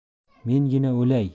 mengina o'lay